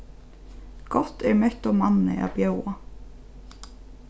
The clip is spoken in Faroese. gott er mettum manni at bjóða